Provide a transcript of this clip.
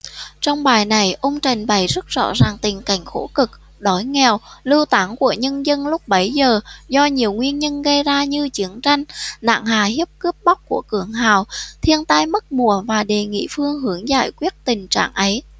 trong bài này ông trình bày rất rõ tình cảnh khổ cực đói nghèo lưu tán của nhân dân lúc bấy giờ do nhiều nguyên nhân gây ra như chiến tranh nạn hà hiếp cướp bóc của cường hào thiên tai mất mùa và đề nghị phương hướng giải quyết tình trạng ấy